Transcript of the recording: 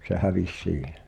se hävisi siihen